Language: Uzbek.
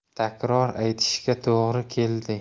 takror aytishga to'g'ri keladi